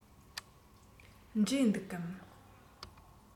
འབྲས འདུག གམ